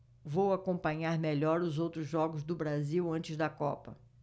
vou acompanhar melhor os outros jogos do brasil antes da copa